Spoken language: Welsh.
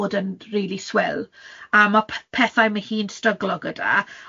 ma' hi'n gallu bod yn rili swil, a ma' p- pethau ma' hi'n stryglo gyda.